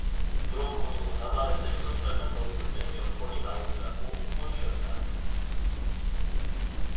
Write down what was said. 브로커도 남한에서 여섯달만 머무르면 여권이 나온다고 꼬드겼다